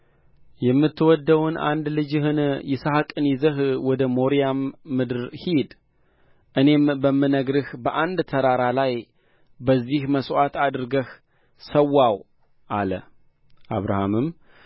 የምትወደውን አንድ ልጅህን ይስሐቅን ይዘህ ወደ ሞሪያም ምድር ሂድ እኔም በምነግርህ በአንድ ተራራ ላይ በዚያ መሥዋዕት አድርገህ ሠዋው አለ አብርሃምም